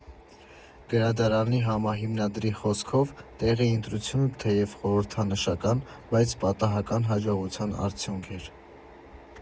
Գրադարանի համահիմնադրի խոսքով՝ տեղի ընտրությունը թեև խորհրդանշական, բայց պատահական հաջողության արդյունք էր։